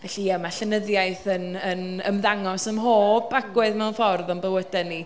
Felly ia, ma' llenyddiaeth yn yn ymddangos ym mhob agwedd mewn ffordd o'n bywydau ni.